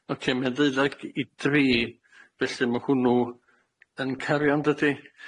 Oce, mae o'n ddeuddeg i dri, felly ma' hwnnw yn cario yn dydi?